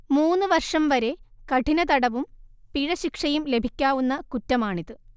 മൂന്നുവർഷം വരെ കഠിനതടവും പിഴശിക്ഷയും ലഭിക്കാവുന്ന കുറ്റമാണിത്